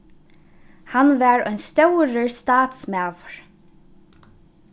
hann var ein stórur statsmaður